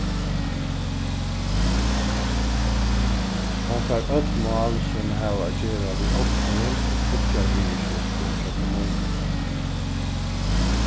hon fær øll mál sum hava at gera við ognir og fíggjarviðurskiftir hjá kommununi